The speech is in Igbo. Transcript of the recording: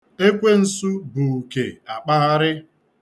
Ekwensu bụ uke akpagharị.